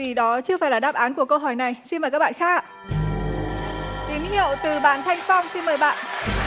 vì đó chưa phải là đáp án của câu hỏi này xin mời các bạn khác ạ tín hiệu từ bạn thanh phong xin mời bạn